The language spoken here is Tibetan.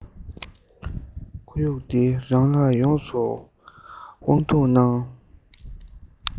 ཁོར ཡུག འདི རང ལ ཡོངས སུ དབང འདུག ནའང